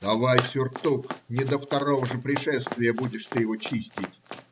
- Давай сюртук, не до второго же пришествия будешь ты его чистить.